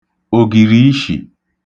ògìrìishì